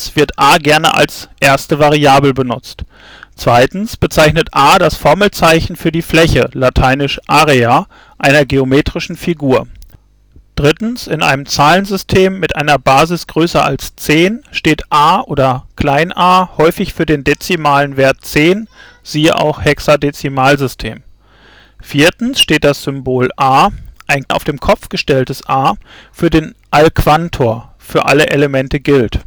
wird a gerne als erste Variable genutzt. bezeichnet A das Formelzeichen für die Fläche (lat. area) einer geometrischen Figur. In einem Zahlensystem mit einer Basis größer als 10 steht A oder a häufig für den dezimalen Wert 10, siehe auch Hexadezimalsystem. steht das Symbol ∀{\ displaystyle \ forall} (ein auf den Kopf gestelltes A) für den Allquantor „ für alle Elemente gilt